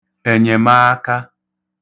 ènyèmaaka